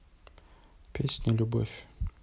песня любовь